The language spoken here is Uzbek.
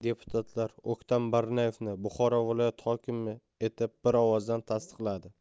deputatlar o'ktam barnoyevni buxoro viloyati hokimi etib bir ovozdan tasdiqladi